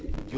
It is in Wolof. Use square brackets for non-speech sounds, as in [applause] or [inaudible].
[hesitation] [hesitation]